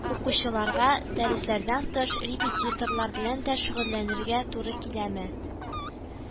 Укучыларга, дәресләрдән тыш, репетиторлар белән дә шөгыльләнергә туры киләме